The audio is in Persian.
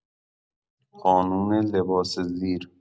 قانون لباس‌زیر